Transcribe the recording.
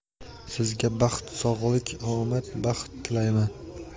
sizga baxt sog'lik omad baxt tilayman